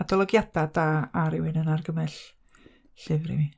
adolygiadau da, a rywun yn argymell llyfr i mi.